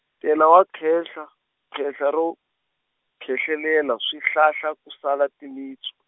tela wa khehla, khehla ro, khehlelela swihlahla ku sala timintsu.